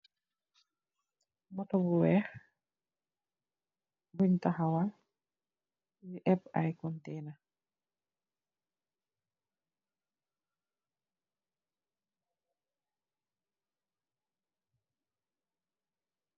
Moto bu weex, bunj taxawal mu ebb ay konteena.